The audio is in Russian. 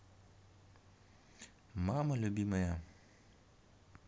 мама любимая